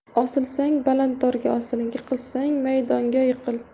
osilsang baland dorga osil yiqilsang maydonga yiqil